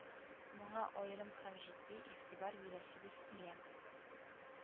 Моңа аерым һәм җитди игътибар бирәсебез килә